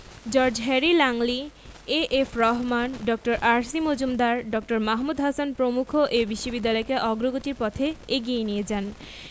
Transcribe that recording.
George Harry Langley A F Rahman Dr. R C Majumdar Dr. Mahmud Hasan প্রমুখ এ বিশ্ববিদ্যালয়কে অগ্রগতির পথে এগিয়ে নিয়ে যান